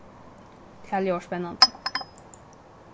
tað ljóðar spennandi